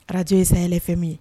Arajo ye sahel fm ye